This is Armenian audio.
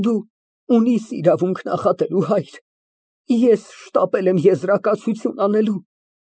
Դու ունիս իրավունք ինձ նախատելու, հայր, ես շտապել եմ եզրակացություն անելու։